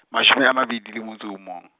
mashome a mabedi le motso o mong.